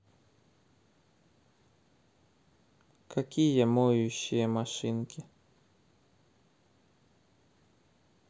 какие моющие машинки